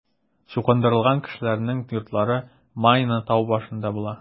Чукындырылган кешеләрнең йортлары Майна тау башында була.